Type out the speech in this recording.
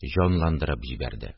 Җанландырып җибәрде.